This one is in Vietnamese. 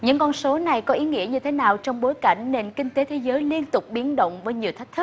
những con số này có ý nghĩa như thế nào trong bối cảnh nền kinh tế thế giới liên tục biến động với nhiều thách thức